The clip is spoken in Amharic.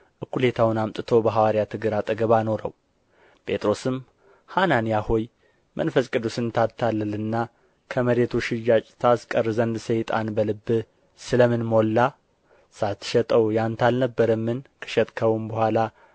እኩሌታውን አምጥቶ በሐዋርያት እግር አጠገብ አኖረው ጴጥሮስም ሐናንያ ሆይ መንፈስ ቅዱስን ታታልልና ከመሬቱ ሽያጭ ታስቀር ዘንድ ሰይጣን በልብህ ስለ ምን ሞላ ሳትሸጠው የአንተ አልነበረምን ከሸጥኸውስ በኋላ